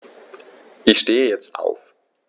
Ich stehe jetzt auf.